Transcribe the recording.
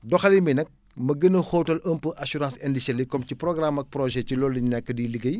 doxalin bi nag ma gën a xóotal un peu assurance indicelle yi comme ci programme ak projet ci loolu la ñu nekk di liggéey